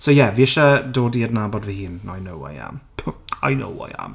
So ie, fi isie, dod i adnabod fy hun. I know who I am. I know who I am.